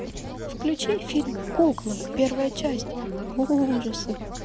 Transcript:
включи фильм кукла первая часть ужасы